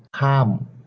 ข้าม